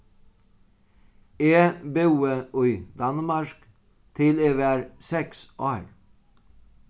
eg búði í danmark til eg var seks ár